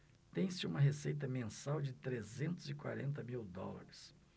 tem-se uma receita mensal de trezentos e quarenta mil dólares